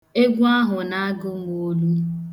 Egwu ahụ na-agụ m olu.